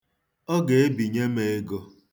Ọ ga-ebinye m ego.